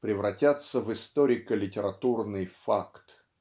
превратятся в историко-литературный факт.